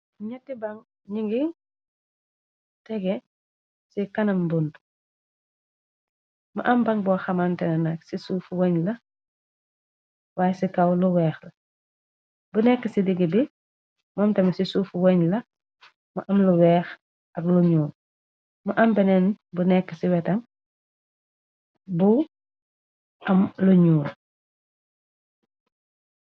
Nyetti bang ñi ngi tege ci kanam mbunt mu am ban bo xamamtene nak ci suufu woñ la waaye ci kaw lu weex la bu nekk ci digg bi moom tami ci suufu woñ la mu am lu weex ak lu ñuul mu am beneen bu nekk ci wetam bu am lu ñyuul.